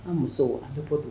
An muso a tɛ bɔ don